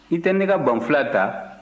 i tɛ ne ka banfula ta